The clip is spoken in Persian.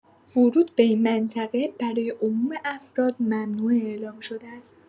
ورود به این منطقه برای عموم افراد ممنوعه اعلام شده است.